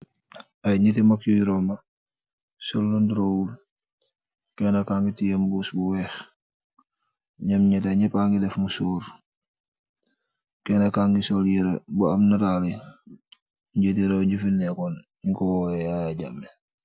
Aiiy njehti mak yui romba sol lu nduroh wul, kenah kaahngi tiyeh mbuss bu wekh, njom njetah njepah ngi deff musorr, kenah kaangi sol yereh bu am naatali njjiti rew ju fi nekon nju kor worweh yaya jammeh.